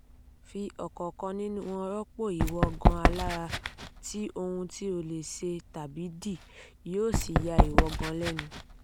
Fi [ọ̀kankan nínú wọn] rọ́pò ìwọ gan alára ti ohun tí o lè ṣe tàbí dì yóò sì ya ìwọ gan lẹ́nu.